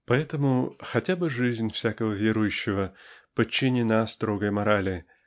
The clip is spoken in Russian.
Поэтому хотя жизнь всякого верующего подчинена строгой морали